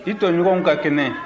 i tɔɲɔgɔn ka kɛnɛ